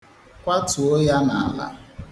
Kwatuo ya n'ala.